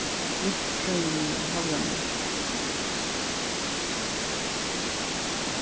vistfrøðiliga havramjólk